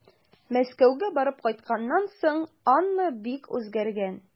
Мәскәүгә барып кайтканнан соң Анна бик үзгәргән.